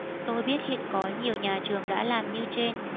tôi biết hiện có nhiều nhà trường đã làm như trên